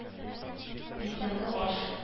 Иртәнге аш